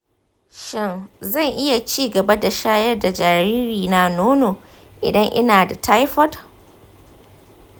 shin zan iya ci gaba da shayar da jaririna nono idan ina da taifoid?